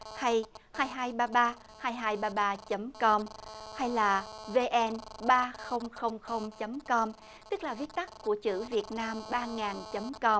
hay hai hai ba ba hai hai ba ba chấm com hay là vê en ba không không không chấm com tức là viết tắt của chữ việt nam ba ngàn chấm com